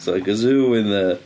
It's like a zoo in there.